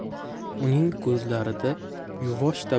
uning ko'zlarida yuvosh